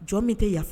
Jɔn min tɛ yafa